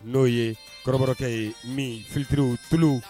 N'o ye kɔrɔkɛ ye min fitiriuru tulu